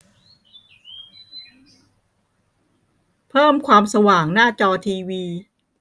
เพิ่มความสว่างหน้าจอทีวี